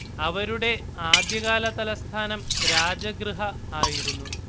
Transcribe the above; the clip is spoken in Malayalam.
അവരുടെ ആദ്യകാലതലസ്ഥാനം രാജഗൃഹ ആയിരുന്നു